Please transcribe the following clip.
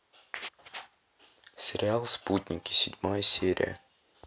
сериал спутники седьмая серия